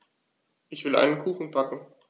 Ich will einen Kuchen backen.